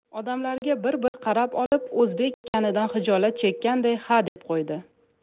odamlarga bir bir qarab olib o'zbek ekanidan xijolat chekkanday ha deb qo'ydi